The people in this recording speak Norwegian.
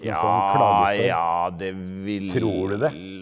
ja det vil.